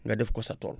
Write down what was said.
nga def ko sa tool